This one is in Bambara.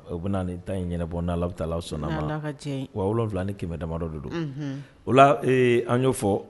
O bɛna ne ta in ɲɛnabɔ, n allah taala sɔnna’ ma ,ni allah ka djɛɲe, waa wolon wolonwilan ni kɛmɛmɛ damadɔ de. O la ɛɛ an y'a fɔ